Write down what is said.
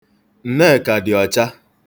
Nneka dị ọcha.